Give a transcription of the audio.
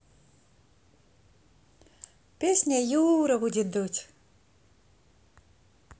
песня юра будет дудь